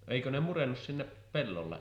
eikö ne murennu sinne pellolle